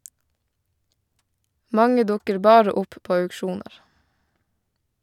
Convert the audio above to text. Mange dukker bare opp på auksjoner.